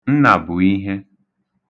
Nnàbụ̀ihe